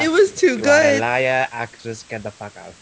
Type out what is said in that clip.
It was too good... You are a liar, actress, get the fuck out.